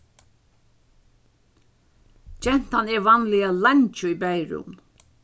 gentan er vanliga leingi í baðirúminum